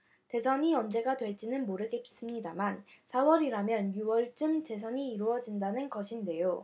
대선이 언제가 될지는 모르겠습니다만 사 월이라면 유 월쯤 대선이 이뤄진다는 것인데요